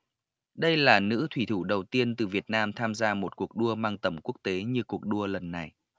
đây là nữ thủy thủ đầu tiên từ việt nam tham gia một cuộc đua mang tầm quốc tế như cuộc đua lần này